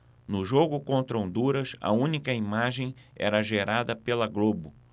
no jogo contra honduras a única imagem era gerada pela globo